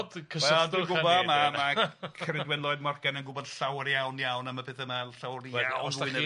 Wel dwi'm yn gwbod ma' ma' Ceridwen Lloyd Morgan yn gwbod llawer iawn iawn am y pethe 'ma llawer iawn mwy na fi.